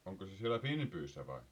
onko se siellä Finbyssä vai